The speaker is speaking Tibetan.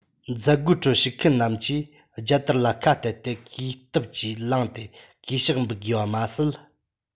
མཛད སྒོའི ཁྲོད ཞུགས མཁན རྣམས ཀྱིས རྒྱལ དར ལ ཁ གཏད དེ གུས སྟབས ཀྱིས ལངས ཏེ གུས ཕྱག འབུལ དགོས པ མ ཟད